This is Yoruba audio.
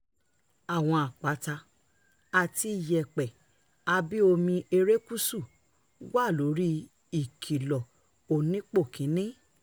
Àwọn àpáta àti iyẹ̀pẹ̀ abẹ́ omi erékùṣú wà lóri "Ìkìlọ̀ onípò kiní"